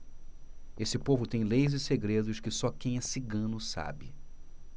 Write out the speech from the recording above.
esse povo tem leis e segredos que só quem é cigano sabe